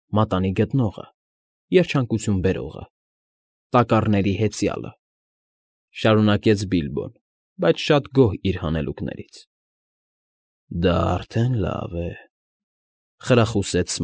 Մատանի գտնողը, Երջանկություն բերողը, Տակառների հեծյալը,֊ շարունակեց Բիլբոն, շատ գոհ իր հանելուկներից։ ֊ Դա արդեն լավ է,֊ խրախուսեց։